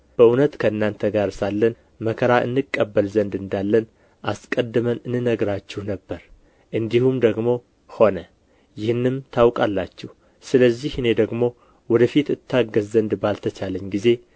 በእውነት ከእናንተ ጋር ሳለን መከራ እንቀበል ዘንድ እንዳለን አስቀድመን እንነግራችሁ ነበር እንዲሁም ደግሞ ሆነ ይህንም ታውቃላችሁ ስለዚህ እኔ ደግሞ ወደ ፊት እታገሥ ዘንድ ባልተቻለኝ ጊዜ